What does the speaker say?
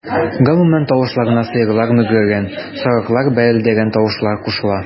Гармун тавышына сыерлар мөгрәгән, сарыклар бәэлдәгән тавышлар кушыла.